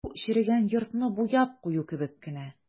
Бу черегән йортны буяп кую кебек кенә.